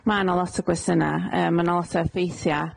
Mae 'na lot o gwestyna', yym ma' 'na lot o effeithia',